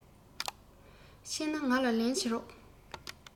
ཕྱིན ན ང ལ ལན བྱེད རོགས